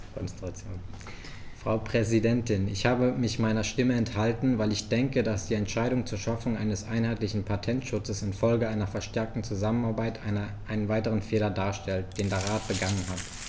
Frau Präsidentin, ich habe mich meiner Stimme enthalten, weil ich denke, dass die Entscheidung zur Schaffung eines einheitlichen Patentschutzes in Folge einer verstärkten Zusammenarbeit einen weiteren Fehler darstellt, den der Rat begangen hat.